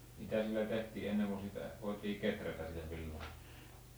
mitä sille tehtiin ennen kun siitä voitiin kehrätä sitä villaa